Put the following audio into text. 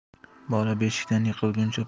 bola beshikdan yiqilguncha